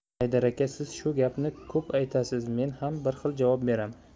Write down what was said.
haydar aka siz shu gapni ko'p aytasiz men ham bir xil javob beraman